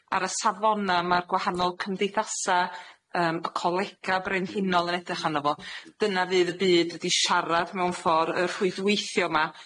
ar y safona' ma'r gwahanol cymdeithasa', yym y c- colega brenhinol yn edrych arno fo, dyna fydd y byd ydi siarad mewn ffor, y rhwydweithio 'ma,